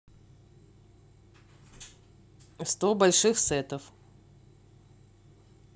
сто больших сетов